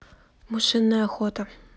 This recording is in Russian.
мышиная охота